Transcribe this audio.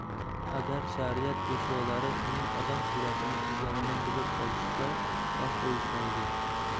agar shariat peshvolari uning odam suratini chizganini bilib qolishsa sog' qo'yishmaydi